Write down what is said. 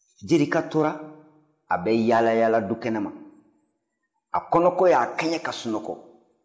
jerika tora a bɛ yaalayaala du kɛnɛ ma a kɔnɔnanko y'a kɛɲɛ ka sunɔgɔ